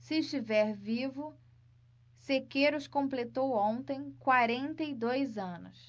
se estiver vivo sequeiros completou ontem quarenta e dois anos